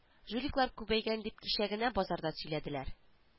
Жуликлар күбәйгән дип кичә генә базарда сөйләделәр